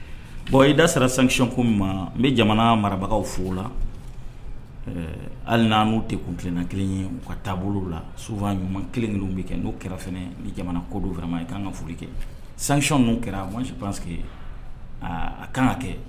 Bon i da sara sancko ma n bɛ jamana marabagaw fo la hali n' de kuntina kelen ye ka taabolo la su ɲuman kelen ninnu bɛ kɛ n'o kɛra ni jamana kodo fanama ye' kan ka foli kɛ sanc ninnu kɛra bɔ sup sigi aaa a ka kan ka kɛ